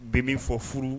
Bɛ min fɔ furu